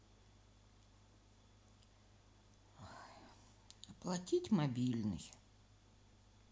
оплатить мобильный